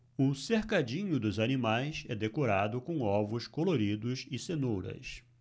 o cercadinho dos animais é decorado com ovos coloridos e cenouras